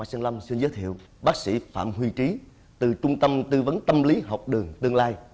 mà sơn lâm xin giới thiệu bác sĩ phạm huy trí từ trung tâm tư vấn tâm lý học đường tương lai